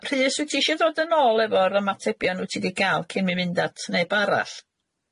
Yy Rhys wyt ti isio dod yn ôl efo'r ymatebion wyt ti di ga'l cyn mynd at neb arall?